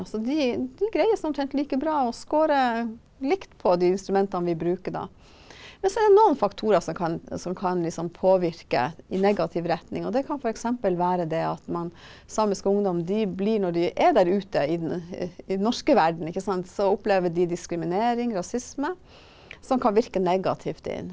altså de de greier seg omtrent like bra og skårer likt på de instrumenta vi bruker da, men så er det noen faktorer som kan som kan liksom påvirke i negativ retning, og det kan f.eks. være det at man samisk ungdom de blir når de er der ute i den i den norske verden ikke sant, så opplever de diskriminering, rasisme som kan virke negativt inn.